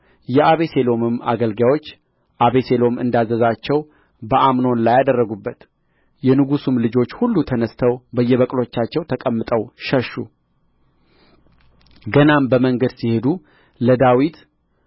የአቤሴሎም አገልጋዮች አቤሴሎም እንዳዘዛቸው በአምኖን ላይ አደረጉበት የንጉሡም ልጆች ሁሉ ተነሥተው በየበቅሎቻቸው ተቀምጠው ሸሹ ገናም በመንገድ ሲሄዱ ለዳዊት